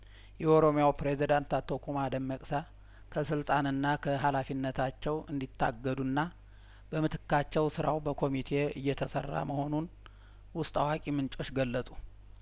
የኦሮምያው ፕሬዝዳንት አቶ ኩማ ደመቅሳ ከስልጣንና ከሀላፊነታቸው እንዲ ታገዱና በምት ካቸው ስራው በኮሚቴ እየተሰራ መሆኑን ውስጥ አዋቂ ምንጮች ገለጡ